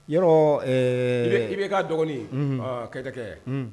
Y i'i ka dɔgɔn kekɛ